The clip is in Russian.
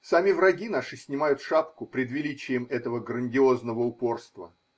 Сами враги наши снимают шапку пред величием этого грандиозного упорства.